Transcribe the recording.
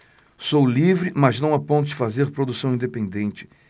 sou livre mas não a ponto de fazer produção independente